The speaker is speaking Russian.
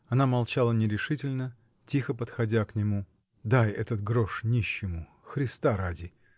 Она молчала нерешительно, тихо подходя к нему. — Дай этот грош нищему. Христа ради!